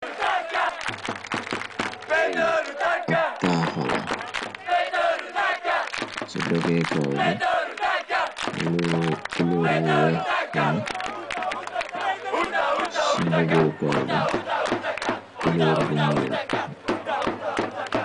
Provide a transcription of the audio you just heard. leyi ab taaxala ca dogeekaar bi kulóor bu yee fane ci ngobeerkaar bi ku lóor bu ñool.